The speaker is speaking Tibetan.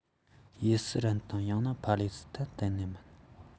དབྱི སི རལ དང ཡང ན ཕ ལེ སི ཐན གཏན ནས མིན